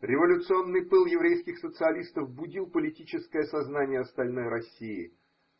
Революционный пыл еврейских социалистов будил политическое сознание остальной России,